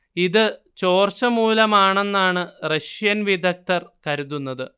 ഇത് ചോർച്ച മൂലമാണെന്നാണ് റഷ്യൻ വിദഗ്ദ്ധർ കരുതുന്നത്